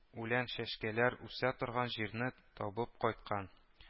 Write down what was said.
Үлән-чәчкәләр үсә торган җирне табып кайткан